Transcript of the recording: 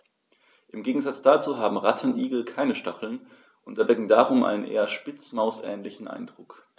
Im Gegensatz dazu haben Rattenigel keine Stacheln und erwecken darum einen eher Spitzmaus-ähnlichen Eindruck.